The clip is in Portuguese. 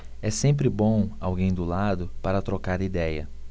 é sempre bom alguém do lado para trocar idéia